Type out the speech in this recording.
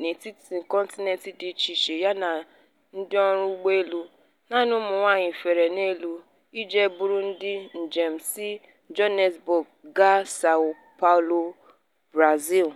n'etiti kọntinent dị icheiche ya na ndịọrụ ụgbọelu naanị ụmụnwaanyị fere n'elu iji buru ndị njem si Johannesburg gaa Sao Paulo, Brazil.